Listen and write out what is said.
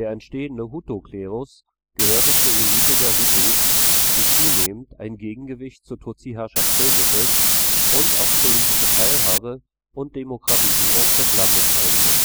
entstehende Hutu-Klerus gehörte zur Elite der Hutu, die zunehmend ein Gegengewicht zur Tutsi-Herrschaft bildete und auf politische Teilhabe und Demokratisierung des Landes drängte